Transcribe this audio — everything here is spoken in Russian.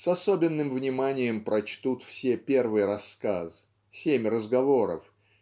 С особенным вниманием прочтут все первый рассказ "Семь разговоров"